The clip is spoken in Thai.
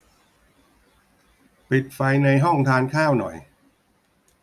ปิดไฟในห้องทานข้าวหน่อย